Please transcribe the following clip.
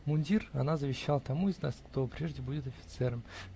Мундир она завещала тому из нас, кто прежде будет офицером.